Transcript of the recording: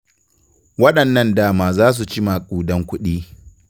Waɗannan dama za su ci maƙudan kuɗi.